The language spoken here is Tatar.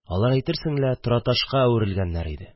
Алар әйтерсең лә тораташка әверелгәннәр иде.